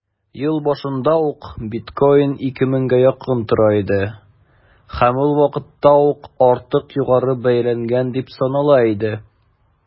Ел башында ук биткоин 2 меңгә якын тора иде һәм ул вакытта ук артык югары бәяләнгән дип санала иде.